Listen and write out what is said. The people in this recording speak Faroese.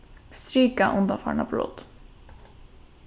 strika undanfarna brot